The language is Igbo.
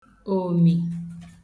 òmì